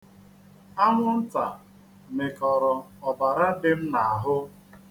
Anwụnta mịkọrọ ọbara dị m n'ahụ.